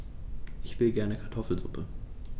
Ich will gerne Kartoffelsuppe.